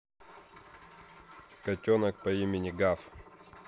котенок по имени гав